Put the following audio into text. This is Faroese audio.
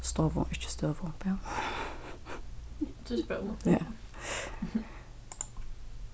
eg kenni eina góða matstovu í økinum